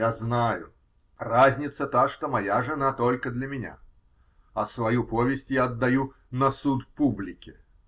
Я знаю, разница та, что моя жена -- только для меня, а свою повесть я отдаю "на суд публике".